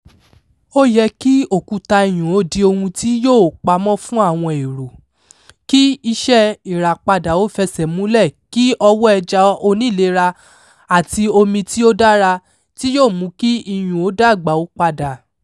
Ó yẹ kí òkúta iyùn ó di ohun tí yóò pamọ́ fún àwọn èrò, kí iṣẹ́ ìràpadà ó fẹsẹ̀ múlẹ̀ kí ọ̀wọ́ ẹja onílera àti omi tí ó dára tí yóò mú kí iyùn ó dàgbà ó padà.